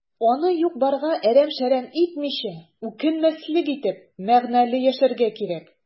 Аны юк-барга әрәм-шәрәм итмичә, үкенмәслек итеп, мәгънәле яшәргә кирәк.